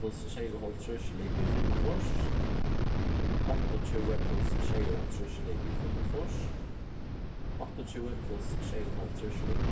pluss sjeyoghálvtrýss ligvið fimmogfýrs áttaogtjúgu pluss sjeyoghálvtrýss ligvið fimmogfýrs áttaogtjúgu pluss sjeyoghálvtrýss ligvið